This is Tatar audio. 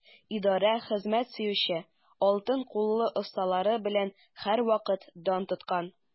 Идарә хезмәт сөюче, алтын куллы осталары белән һәрвакыт дан тоткан.